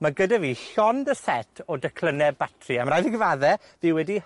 ma' gyda fi llond y set o declynne batri. A ma' raid fi gyfadde, dwi wedi